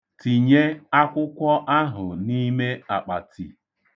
Tinye akwụkwọ ahụ n'ime akpati.